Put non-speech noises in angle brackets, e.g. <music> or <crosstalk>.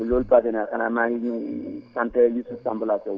bu loolu paasee nag xanaa maa ngi <hesitation> sant Youssouphe Sambala Sow